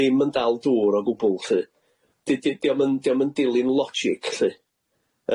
ddim yn dal dŵr o gwbwl lly dy- di- dio'm yn dio'm yn dilyn logic lly,